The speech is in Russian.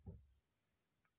включи подарки по знаку зодиака